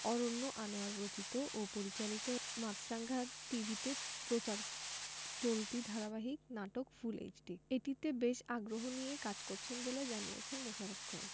অরন্য আনোয়ার রচিত ও পরিচালিত মাছরাঙা টিভিতে প্রচার চলতি ধারাবাহিক নাটক ফুল এইচডি এটিতে বেশ আগ্রহ নিয়ে কাজ করছেন বলে জানিয়েছেন মোশাররফ করিম